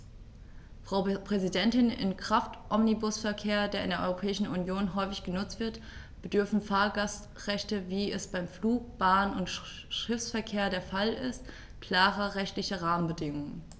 Frau Präsidentin, im Kraftomnibusverkehr, der in der Europäischen Union häufig genutzt wird, bedürfen Fahrgastrechte, wie es beim Flug-, Bahn- und Schiffsverkehr der Fall ist, klarer rechtlicher Rahmenbedingungen.